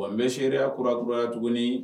Bon n np seereya kura kurakuraya tuguni